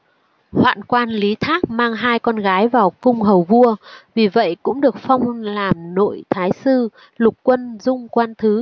hoạn quan lý thác mang hai con gái vào cung hầu vua vì vậy cũng được phong làm nội thái sư lục quân dung quan thứ